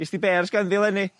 gest di bears ganddi 'lenni?